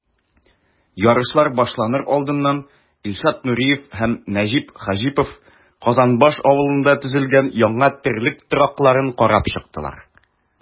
Ярышлар башланыр алдыннан Илшат Нуриев һәм Нәҗип Хаҗипов Казанбаш авылында төзелгән яңа терлек торакларын карап чыктылар.